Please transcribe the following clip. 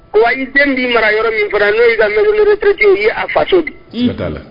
Wa i den'i mara yɔrɔ min fara n'o ka a fa